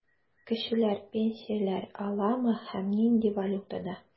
Кешеләр пенсияләр аламы һәм нинди валютада?